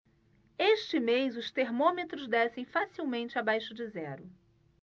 este mês os termômetros descem facilmente abaixo de zero